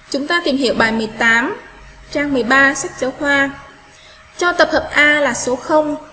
chúng ta tìm hiểu bài trang sách giáo khoa cho tập hợp a là số